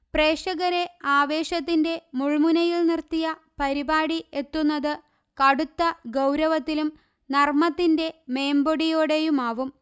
പ്രേക്ഷകരെ ആവേശത്തിന്റെ മുൾമുനയിൽ നിർത്തിയ പരിപാടി എത്തുന്നത് കടുത്ത ഗൌരവത്തിലും നർമത്തിന്റെ മേമ്പൊടിയോടെയുമാവും